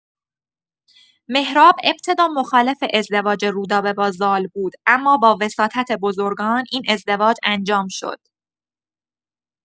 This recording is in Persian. مهراب ابتدا مخالف ازدواج رودابه با زال بود اما با وساطت بزرگان، این ازدواج انجام شد.